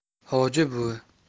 hoji buvi